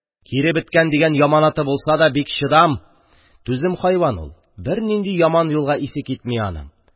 Киребеткән дигән яманаты булса да, бик чыдам, түзем хайван ул, бернинди яман юлга исе китми аның.